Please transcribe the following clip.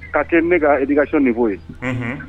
Ka kɛ ne ka ikasi nin' ye